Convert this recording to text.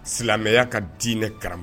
Silamɛya ka diinɛ karam